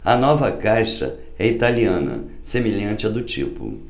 a nova caixa é italiana semelhante à do tipo